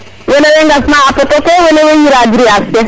wene way ngasna a poto ke wene way ñira giriyas ke